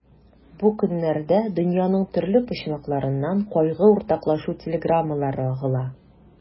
Бу көннәрдә дөньяның төрле почмакларыннан кайгы уртаклашу телеграммалары агыла.